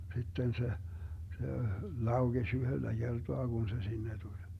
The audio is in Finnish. sitten se se laukesi yhdellä kertaa kun se sinne tuli